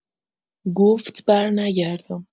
گفت برنگردم.